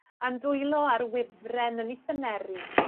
a'n dwylo ar wifren yn 'i thyneru,